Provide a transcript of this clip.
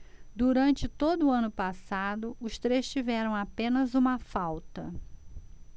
durante todo o ano passado os três tiveram apenas uma falta